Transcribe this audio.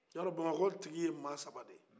yarɔ bamakɔ tigi ye maa saba de ye